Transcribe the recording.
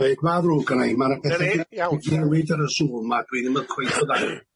Dweud ma' ddrwg gynna i, ma' 'na petha- Dyna ni, iawn.... 'di newid ar y Zoom 'ma, dwi ddim yn cweit yn ddall-